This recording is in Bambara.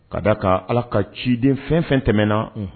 Ka d'a kan allah ka ciden fɛn o fɛn tɛmɛnna, unhun,